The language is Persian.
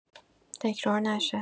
تکرار نشه